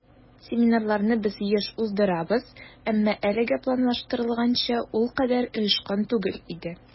Семинарларны без еш уздырабыз, әмма әлегә планлаштырылганча ул кадәр оешкан түгел иде.